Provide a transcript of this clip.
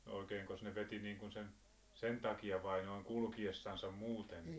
oikeinkos ne veti niin kuin sen sen takia vai noin kulkiessansa muuten